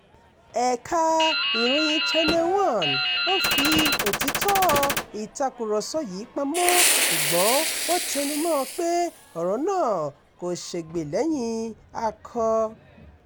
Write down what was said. Ẹ̀ka ìròyìn Channel One ò fi òtítọ́ ìtàkùrọ̀sọ yìí pamọ́, ṣùgbọ́n wọ́n tẹnu mọ́ ọn pé ọ̀rọ̀ náà kò ṣègbè lẹ́yìn akọ.